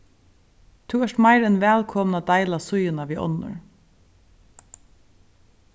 tú ert meira enn vælkomin at deila síðuna við onnur